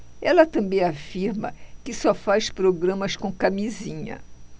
ela também afirma que só faz programas com camisinha